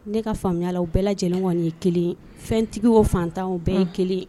Ne ka faamuyala u bɛɛ lajɛlen ye kelen fɛntigi o fantan o bɛɛ ye kelen